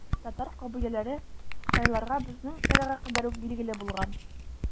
Татар кабиләләре кытайларга безнең эрага кадәр үк билгеле булган.